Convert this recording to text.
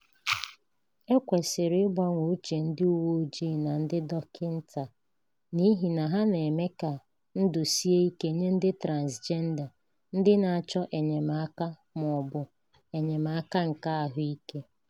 E kwesịrị ịgbanwe uche ndị uweojii na ndị dọkịta n'ihi ha na-eme ka ndụ sie ike nye ndị Transịjenda ndị na-achọ enyemaka ma ọ bụ enyemaka nke ahụike.